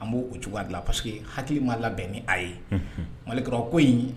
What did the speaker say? An b'o cogo dilan parce que hakili' labɛn ni a ye mali kɔrɔ ko in